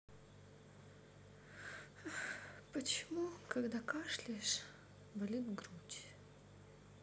почему когда кашляешь болит грудь